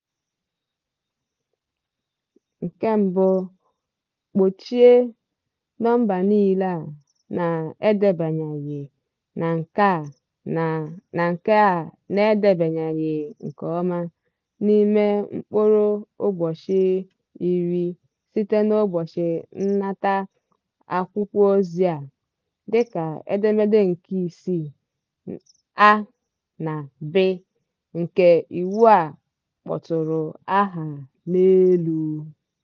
1- Gbochie nọmba niile a na-edebanyeghị na nke a na-edebanyeghị nke ọma n'ime mkpụrụ ụbọchị 10 site n'ụbọchị nnata akwụkwọozi a, dịka Edemede nke 6 (a) na (b) nke Iwu a kpọtụrụ aha n'elu.